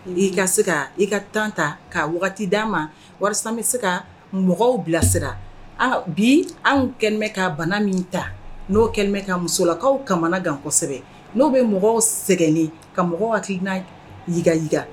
I ka se ka ka tan ta' d' an ma walasa bɛ se ka mɔgɔw bilasira bi anw kɛnɛmɛ ka bana min ta n'o kɛlenmɛ ka musolakaw kamana gan kosɛbɛ n'o bɛ mɔgɔw sɛgɛnnen ka mɔgɔ n'